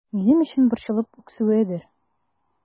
Минем өчен борчылып үксүедер...